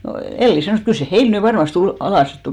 no, Elli sanoi kyllä se heillä nyt varmasti - alas sitten tuli